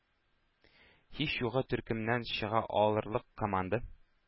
Һич югы, төркемнән чыга алырлык команда